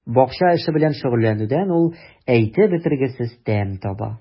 Бакча эше белән шөгыльләнүдән ул әйтеп бетергесез тәм таба.